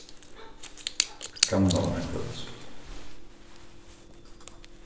gamlaárskvøld